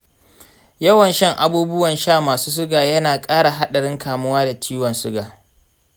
yawan shan abubuwan sha masu suga yana ƙara haɗarin kamuwa da ciwon suga.